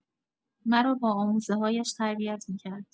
مرا با آموزه‌هایش تربیت می‌کرد.